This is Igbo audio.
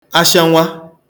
ashịanwa